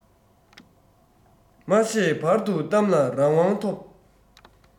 མ བཤད བར དུ གཏམ ལ རང དབང ཐོབ